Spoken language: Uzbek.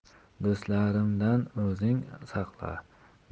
do'stlarimdan o'zing saqla